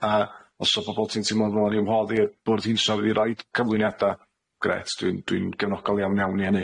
A os o' 'na bobol ti'n teimlo ddyla ni wahodd i'r Bwrdd Hinsawdd i roid cyflwyniada', grêt, dwi'n- dwi'n gefnogol iawn iawn i hynny.